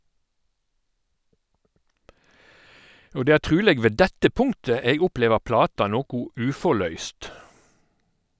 Og det er truleg ved dette punktet eg opplever plata noko uforløyst.